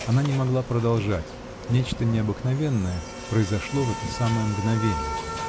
Она не могла продолжать: нечто необыкновенное произошло в это самое мгновенье.